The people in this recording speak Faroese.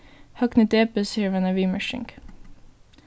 høgni debes hevur eina viðmerking